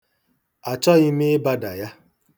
Achọghị m ịbada ya.